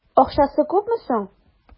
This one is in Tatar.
Акчасы күпме соң?